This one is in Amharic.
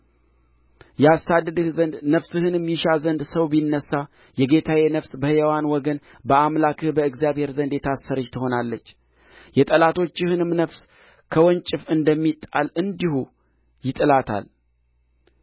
ያሳድድህ ዘንድ ነፍስህንም ይሻ ዘንድ ሰው ቢነሣ የጌታዬ ነፍስ በሕያዋን ወገን በአምላክህ በእግዚአብሔር ዘንድ የታሰረች ትሆናለች የጠላቶችህንም ነፋስ ከወንጭፍ እንደሚጣል እንዲሁ ይጥላታል